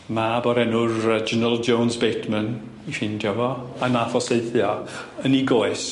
Mab o'r enw Reginald Jones Bateman 'i ffeindio fo a nath o saethu o yn 'i goes.